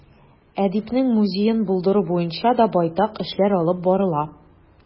Әдипнең музеен булдыру буенча да байтак эшләр алып барыла.